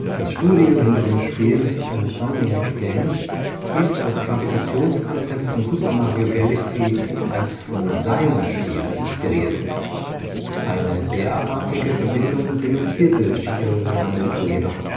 Das Studio hinter dem Spiel, Insomniac Games, hielt das Gravitationskonzept von Super Mario Galaxy als von seinem Spiel inspiriert; eine derartige Verbindung dementierte Shigeru Miyamoto jedoch